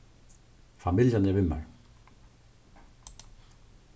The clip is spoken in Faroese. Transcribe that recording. familjan er við mær